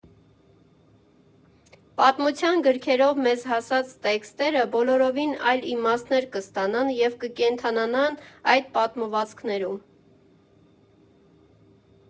Պատմության գրքերով մեզ հասած տեքստերը բոլորովին այլ իմաստներ կստանան և կկենդանանան այդ պատմվածքներում։